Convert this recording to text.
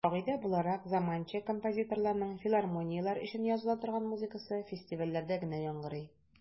Кагыйдә буларак, заманча композиторларның филармонияләр өчен языла торган музыкасы фестивальләрдә генә яңгырый.